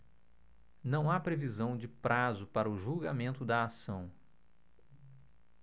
não há previsão de prazo para o julgamento da ação